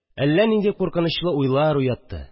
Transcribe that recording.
Әллә нинди куркынычлы уйлар уятты